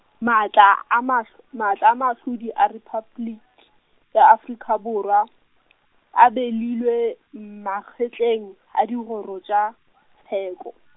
matla a mahl-, matla a mahlodi a Repabliki ya Afrika Borwa, a be le ilwe, magetleng, a dikgoro tša, tsheko.